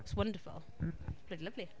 It’s wonderful. Rili lyfli.